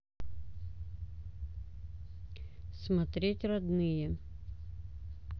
смотреть родные